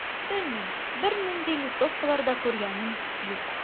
Белмим, бернинди листовкалар да күргәнем юк.